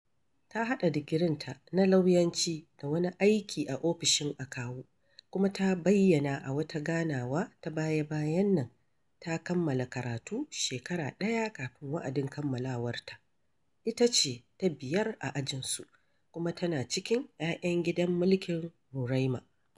Ta haɗa digirinta na lauyanci da wani aikin a ofishin akawu, kuma ta bayyana a wata ganawa ta baya-bayan nan, ta kammala karatu shekara ɗaya kafin wa'adin kammalawarta, ita ce ta biyar a ajinsu, kuma tana cikin 'ya'yan gidan mulkin Roraima.